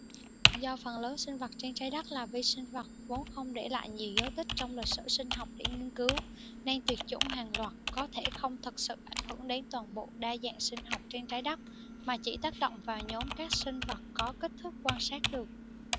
do phần lớn sinh vật trên trái đất là vi sinh vật vốn không để lại nhiều dấu tích trong lịch sử sinh học để nghiên cứu nên tuyệt chủng hàng loạt có thể không thực sự ảnh hưởng lớn đến toàn bộ đa dạng sinh học trên trái đất mà chỉ tác động vào nhóm các sinh vật có kích thước quan sát được